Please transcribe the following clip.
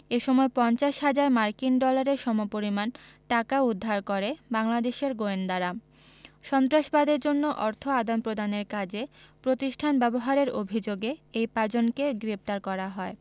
এ সময় ৫০ হাজার মার্কিন ডলারের সমপরিমাণ টাকা উদ্ধার করে বাংলাদেশের গোয়েন্দারা সন্ত্রাসবাদের জন্য অর্থ আদান প্রদানের কাজে প্রতিষ্ঠান ব্যবহারের অভিযোগে এই পাঁচজনকে গ্রেপ্তার করা হয়